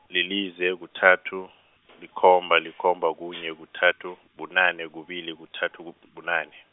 lilize, kuthathu, likhomba, likhomba, kunye, kuthathu, bunane, kubili, kuthathu, ku- bunane.